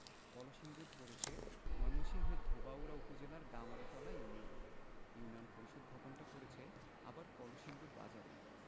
কলসিন্দুর পড়েছে ময়মনসিংহের ধোবাউড়া উপজেলার গামারিতলা ইউনিয়নে ইউনিয়ন পরিষদ ভবনটা পড়েছে আবার কলসিন্দুর বাজারেই